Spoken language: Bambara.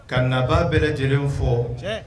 Ka nabaa bɛ lajɛlen fɔ